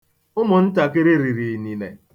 Ụmụntakịrị riri inine.